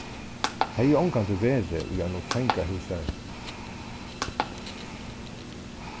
hevði ongantíð verið í einum fangahúsi